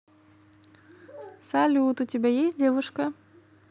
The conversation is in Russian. салют у тебя есть девушка